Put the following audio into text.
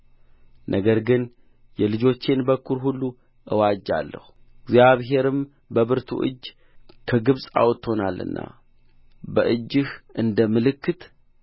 ነገር ግን የልጆቼን በኵር ሁሉ እዋጃለሁ እግዚአብሔርም በብርቱ እጅ ከግብፅ አውጥቶናልና በእጅህ እንደ ምልክት